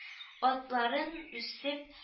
Атларын үсеп